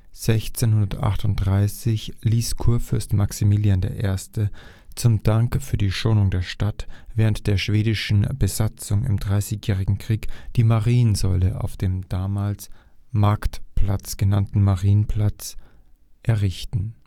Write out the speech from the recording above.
1638 ließ Kurfürst Maximilian I. zum Dank für die Schonung der Stadt während der schwedischen Besatzung im Dreißigjährigen Krieg die Mariensäule auf dem damals Marktplatz genannten Marienplatz errichten